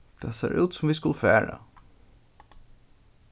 tað sær út sum vit skulu fara